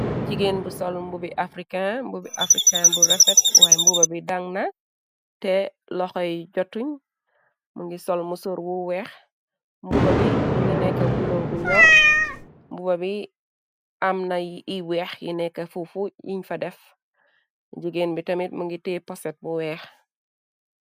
Jigéen bu sol mbubi africain, mbubi africain bu refet waay mbuba bi dang na tè loho yi jotuñ. Mu ngi sol musur bu weeh. Mbuba bi mu ngi nekka bulo bu ñor, mbuba bi amna iy weeh yi nekka fofu yiñ fa def. Jigéen bi tamit mu ngi tee poset bu weeh.